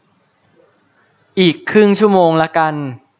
อีกครึ่งชั่วโมงละกัน